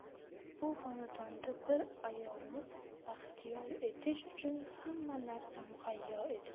bu xonadonda bir ayolni baxtiyor etish uchun hamma narsa muhayyo edi